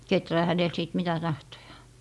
kehrää hänellä sitten mitä tahtoo